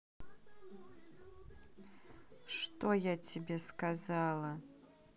что я тебе сказала